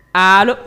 Aa